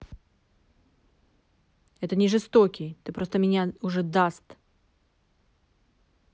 это не жестокий ты просто меня уже даст